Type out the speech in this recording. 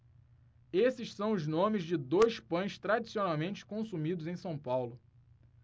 esses são os nomes de dois pães tradicionalmente consumidos em são paulo